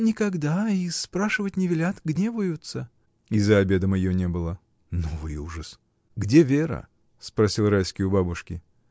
— Никогда, и спрашивать не велят: гневаются! И за обедом ее не было. Новый ужас. — Где Вера? — спросил Райский у бабушки.